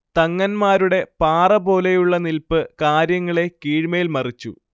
തങ്ങൻമാരുടെ പാറപോലെയുള്ള നിൽപ്പ് കാര്യങ്ങളെ കീഴ്മേൽ മറിച്ചു